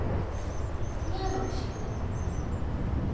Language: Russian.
я вообще то